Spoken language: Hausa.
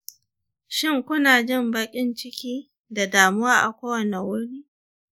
shin ku na jin baƙin-ciki da damuwa a kowane wuni